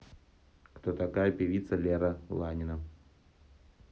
кто такая певица лера ланина